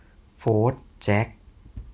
โฟธแจ็ค